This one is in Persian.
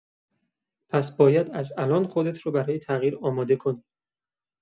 پس باید از الان خودت رو برای تغییر آماده کنی.